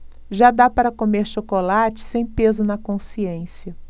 já dá para comer chocolate sem peso na consciência